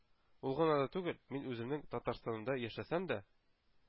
Ул гына да түгел, мин үземнең Татарстанымда яшәсәм дә,